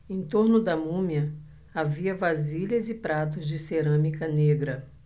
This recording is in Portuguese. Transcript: em torno da múmia havia vasilhas e pratos de cerâmica negra